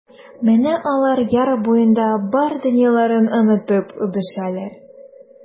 Менә алар яр буенда бар дөньяларын онытып үбешәләр.